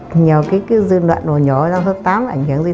nhiều dư luận bảo nhổ răng số ảnh hưởng đến thần kinh